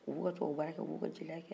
u bɛ u ka tubabu baara kɛ u bɛ u jeliya kɛ